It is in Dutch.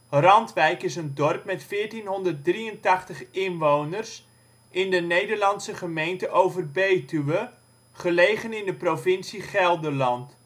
Randwijk is een dorp met 1483 inwoners in de Nederlandse gemeente Overbetuwe, gelegen in de provincie Gelderland